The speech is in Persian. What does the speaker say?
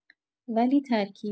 ولی ترکیب